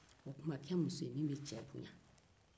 o tuma ke muso ye min bɛ cɛ bonya